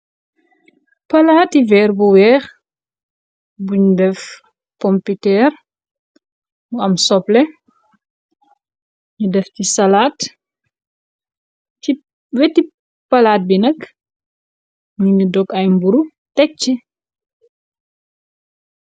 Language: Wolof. Palaati veer bu weex, buñ def pompiteer mu am sople, nu def ci salaat. Ci wéti palaat bi nak nu ni def ay mburu tek ci.